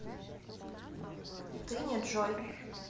ты на джой